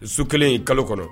Su kelen y' kalo kɔnɔ